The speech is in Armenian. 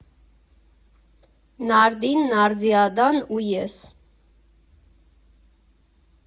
Նարդին, Նարդիադան ու ես։